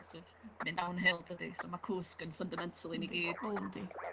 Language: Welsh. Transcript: so't of mynd down hill dydi? So ma' cwsg yn fundamental i ni. Yndi. ...gyd. O yndi.